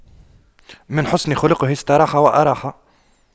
من حسن خُلُقُه استراح وأراح